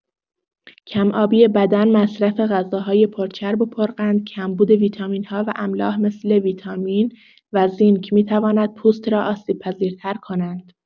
کم‌آبی بدن، مصرف غذاهای پرچرب و پرقند، کمبود ویتامین‌ها و املاح مثل ویتامین و زینک می‌توانند پوست را آسیب‌پذیرتر کنند.